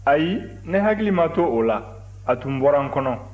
ayi ne hakili ma to o la a tun bɔra n kɔnɔ